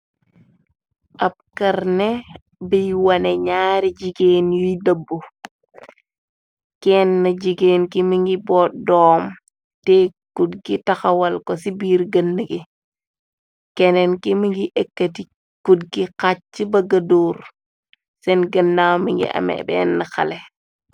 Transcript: Ab karne biy wane ñaari jigéen yuy dëbb kenn jigeen ki mi ngi boot doom tee kut gi taxawal ko ci biir gënn gi kenneen ki mi ngi ekkati kut gi xacj ci ba ga door seen gënnaaw mi ngi ame benn xale.